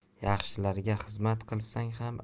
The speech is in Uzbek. yaxshilarga xizmat qilsang